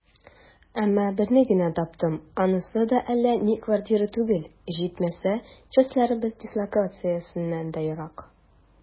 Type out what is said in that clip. Әмма берне генә таптым, анысы да әллә ни квартира түгел, җитмәсә, частьләребез дислокациясеннән дә ерак.